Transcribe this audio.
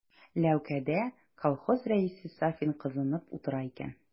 Ләүкәдә колхоз рәисе Сафин кызынып утыра икән.